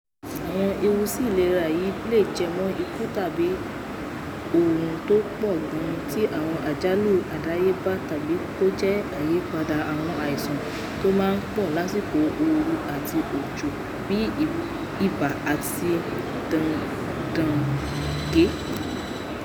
Àwọn ewu sí ìlera yìí lè jẹmọ ikú tàbí ooru tó pọ gan àti awọn àjálù àdáyébá tàbí kó jẹ́ àyípadà àwọn aìsàn tó máá ń pọ̀ lásìkò ooru àti òjò, bíi ibà àti àti dẹ́ńgẹ̀.